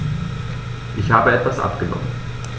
Ich habe etwas abgenommen.